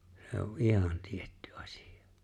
se on ihan tietty asia